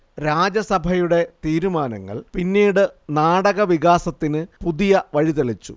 രാജസഭയുടെ തീരുമാനങ്ങൾ പിന്നീട് നാടകവികാസത്തിന് പുതിയ വഴി തെളിച്ചു